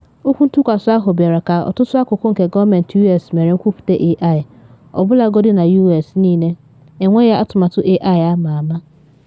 Okwu ntụkwasa ahụ bịara ka ọtụtụ akụkụ nke gọọmentị U.S. mere nkwupute AI, ọbụlagodi na U.S. niile enweghị atụmatụ AI ama ama.